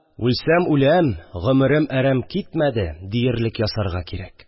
«үлсәм үләм, гомерем әрәм китмәде», – диерлек ясарга кирәк